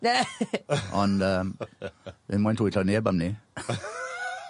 Ond yym dim moyn twyllo neb am 'ny.